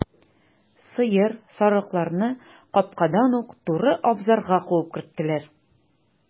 Сыер, сарыкларны капкадан ук туры абзарга куып керттеләр.